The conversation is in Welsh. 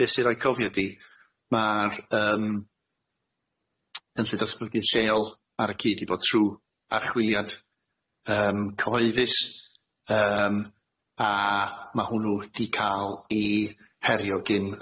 be sy'n fantesiol ydi yym cynllyn datblygu lloeol ar y cyd di bod trw archwiliad yym cyhoeddus yym a ma' hwnnw di ca'l i herio gin